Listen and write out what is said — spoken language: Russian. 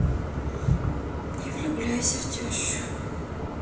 не влюбляйся в тещу